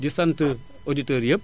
di sant auditeurs yépp